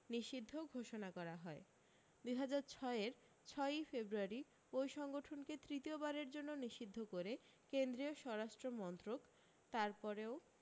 নিষিদ্ধ ঘোষণা করা হয় দু হাজার ছয় এর ছয়ৈ ফেব্রুয়ারি ওই সংগঠনকে তৃতীয়বারের জন্য নিষিদ্ধ করে কেন্দ্রীয় স্বরাষ্ট্রমন্ত্রক তারপরেও